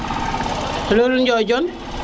lul njojon